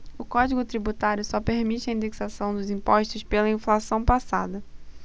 o código tributário só permite a indexação dos impostos pela inflação passada